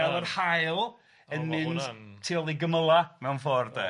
...fel yr haul yn mynd... O ma' hwnna'n ...tu ôl i gymylau mewn ffordd de.